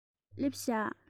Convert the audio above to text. སླེབས བཞག